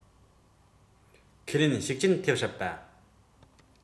ཁས ལེན ཤུགས རྐྱེན ཐེབས སྲིད པ